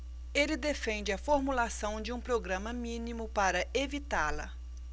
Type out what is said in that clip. ele defende a formulação de um programa mínimo para evitá-la